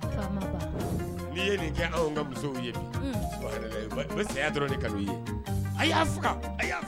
N' ye saya